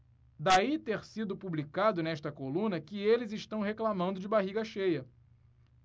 daí ter sido publicado nesta coluna que eles reclamando de barriga cheia